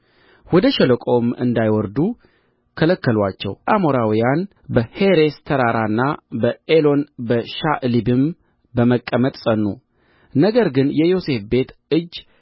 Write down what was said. ወደ ሸለቆውም እንዳይወርዱ ከለከሉአቸው አሞራውያን በሔሬስ ተራራና በኤሎን በሸዓልቢምም በመቀመጥ ጸኑ ነገር ግን የዮሴፍ ቤት እጅ